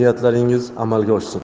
niyatlaringiz amalga oshsin